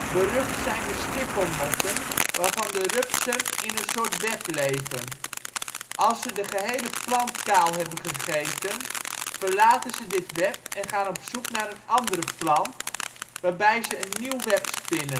Berucht zijn de stippelmotten, waarvan de rupsen in een soort web leven. Als ze de gehele plant kaal hebben gegeten verlaten ze dit web en gaan op zoek naar een andere plant, waarbij ze een nieuw web spinnen. Dit kan